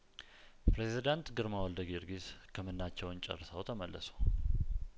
ፕሬዚዳንት ግርማ ወልደ ጊዮርጊስ ህክምናቸውን ጨርሰው ተመለሱ